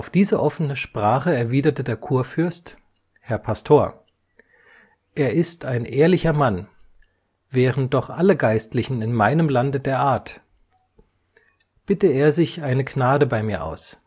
diese offene Sprache erwiederte der Churfürst: » Herr Pastor! Er ist ein ehrlicher Mann, wären doch alle Geistlichen in meinem Lande der Art; bitte Er sich eine Gnade bei mir aus